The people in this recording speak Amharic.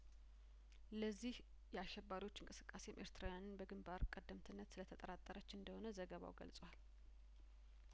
ለዚህ የአሸባሪዎች እንቅስቃሴም ኤርትራውያንን በግንባር ቀደምትነት ስለተጠራጠረች እንደሆነ ዘገባው ገልጿል